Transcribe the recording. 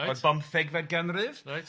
Oedd bomthegfed ganrif... Reit.